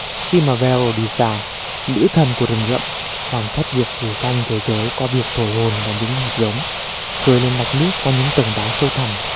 khi verodicia nữ thần của rừng rậm hoàn tất việc phủ xanh thế giới qua việc thổi hồn vào những hạt giống khơi lên mạch nước qua những tầng đá sâu thẳm